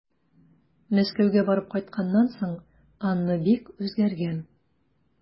Мәскәүгә барып кайтканнан соң Анна бик үзгәргән.